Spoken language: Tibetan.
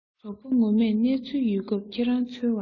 གྲོགས པོ ངོ མས གནས ཚུལ ཡོད སྐབས ཁྱེད རང འཚོལ བར འོང